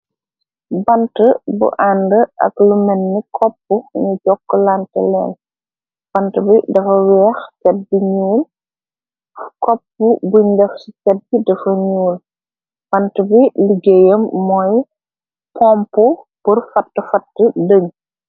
bant bu ànd ak lu menni kopp ñu jokk lante leen bant bi dafa weex cet bi ñuul kopp buy ndex ci cat bi dafa ñuul pant bi liggéeyam mooy pompo bur fat fat dëñ